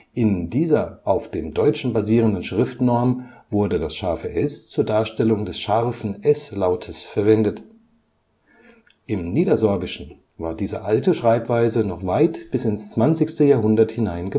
In dieser auf dem Deutschen basierenden Schriftnorm wurde das ß zur Darstellung des scharfen S-Lautes verwendet. Im Niedersorbischen war diese alte Schreibweise noch weit bis ins 20. Jahrhundert hinein